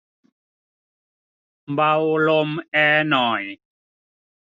เบาลมแอร์หน่อย